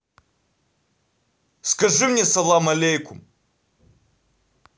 скажи мне салам алейкум